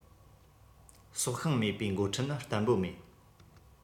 སྲོག ཤིང མེད པའི འགོ ཁྲིད ནི བརྟན པོ མེད